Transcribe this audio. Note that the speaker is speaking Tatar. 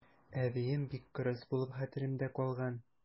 Әбием бик кырыс булып хәтеремдә калган.